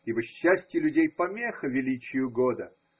Ибо счастье людей помеха величию года.